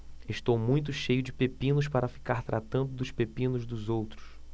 estou muito cheio de pepinos para ficar tratando dos pepinos dos outros